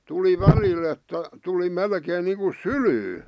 tuli välillä että tuli melkein niin kuin sylyyn